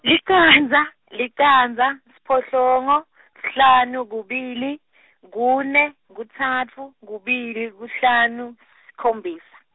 licandza, licandza, siphohlongo , sihlanu kubili , kune, kutsatfu, kubili, kuhlanu, sikhombisa.